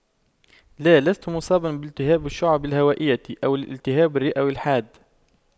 لا لست مصابا بالتهاب الشعب الهوائية أو الالتهاب الرئوي الحاد